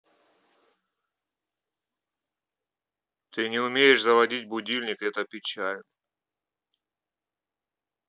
ты не умеешь заводить будильник это печально